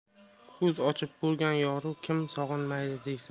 ko'z ochib ko'rgan yorini kim sog'inmaydi deysan